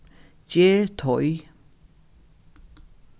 ger teig